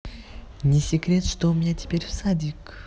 не секрет что у меня теперь в садик